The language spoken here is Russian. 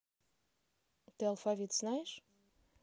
ты алфавит знаешь